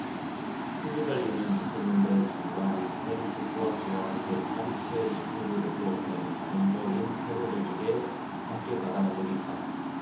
쿨리발리는 이천 년대 중반 세리프 쿠아치와 함께 파리제 십 구 구네트워크라는 자생적인 테러조직에 함께 가담한 적이 있다